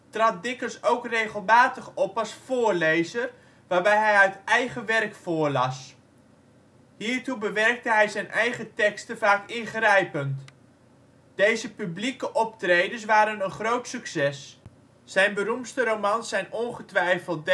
trad Dickens ook regelmatig op als voorlezer, waarbij hij uit eigen werk voorlas. Hiertoe bewerkte hij zijn eigen teksten vaak ingrijpend. Deze publieke optredens waren een groot succes. Zijn beroemdste romans zijn ongetwijfeld